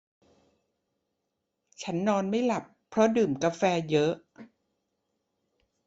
ฉันนอนไม่หลับเพราะดื่มกาแฟเยอะ